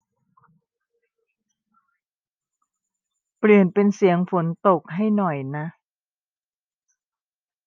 เปลี่ยนเป็นเสียงฝนตกให้หน่อยนะ